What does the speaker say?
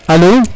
alo